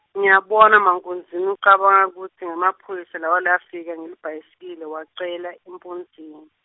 ngiyabona mankunzini ucaba kutsi ngemaphoyisa lawa lefika ngelibhayisikili wacela empunzini.